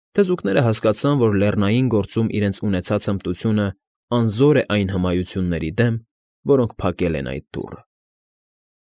Թզուկները հասկացան, որ լեռնային գործում իրենց ունեցած հմտությունն անզոր է այդ հմայությունների դեմ, որոնք փակել են այդ դուռը։